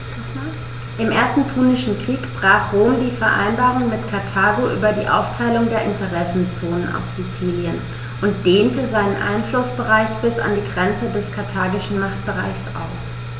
Im Ersten Punischen Krieg brach Rom die Vereinbarung mit Karthago über die Aufteilung der Interessenzonen auf Sizilien und dehnte seinen Einflussbereich bis an die Grenze des karthagischen Machtbereichs aus.